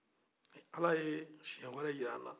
ni ala ye siɲɛwɛrɛ jira an na